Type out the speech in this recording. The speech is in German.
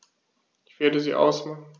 Ich werde sie ausmachen.